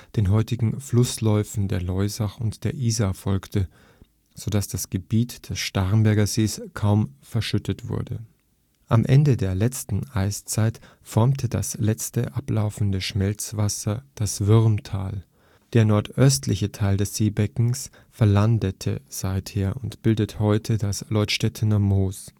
den heutigen Flussläufen der Loisach und der Isar folgte, so dass das Gebiet des Starnberger Sees kaum verschüttet wurde. Am Ende der letzten Eiszeit formte das letzte ablaufende Schmelzwasser das Würmtal, der nördlichste Teil des Seebeckens verlandete seither und bildet heute das Leutstettener Moos